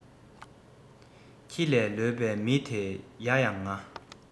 ཁྱི ལས ལོད པའི མི དེ ཡ ཡང ང